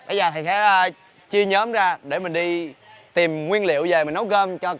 bây giờ thầy sẽ ra chia nhóm ra để mình đi tìm nguyên liệu về mình nấu cơm cho